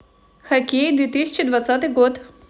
хоккей две тысячи двадцатый год